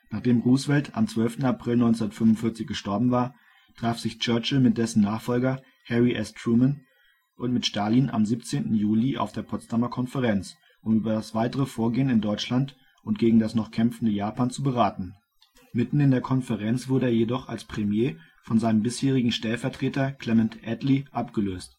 Nachdem Roosevelt am 12. April 1945 gestorben war, traf sich Churchill mit dessen Nachfolger Harry S. Truman und mit Stalin am 17. Juli auf der Potsdamer Konferenz, um über das weitere Vorgehen in Deutschland und gegen das noch kämpfende Japan zu beraten. Mitten in der Konferenz wurde er jedoch als Premier von seinem bisherigen Stellvertreter Clement Attlee abgelöst